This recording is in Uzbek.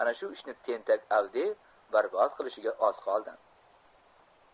ana shu ishni tentak avdiy barbod qilishiga oz qoldi